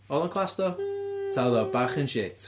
Oedd o'n class ddo?...hmm...Ta oedd o, bach yn shit?